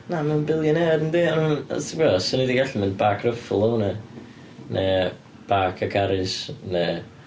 Na, mae o'n billionaire yndi. Ond ti'n gwybod, 'sen ni 'di gallu mynd Bark Ruffalo neu Bark a Carys, neu...